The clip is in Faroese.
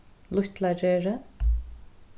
lítlagerði